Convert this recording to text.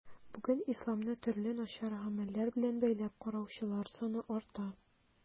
Бүген исламны төрле начар гамәлләр белән бәйләп караучылар саны арта.